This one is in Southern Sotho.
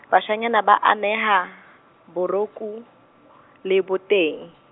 bashanyana ba aneha , boroku leboteng.